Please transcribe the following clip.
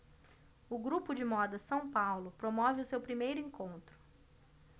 o grupo de moda são paulo promove o seu primeiro encontro